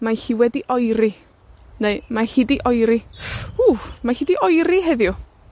mae hi wedi oeri, neu mae hi 'di oeri. Ww. Ma' hi 'di oeri heddiw.